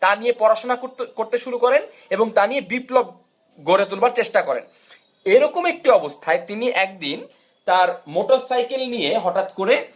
তা নিয়ে পড়াশোনা করতে শুরু করেন এবং তা নিয়ে বিপ্লব করে তোলবার চেষ্টা করে এরকম একটি অবস্থায় তিনি একদিন মোটরসাইকেল নিয়ে হঠাৎ করে